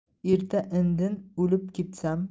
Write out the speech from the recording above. erta indin o'lib ketsam